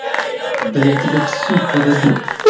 да я тебя в суд подадут